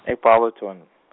e- Barberton .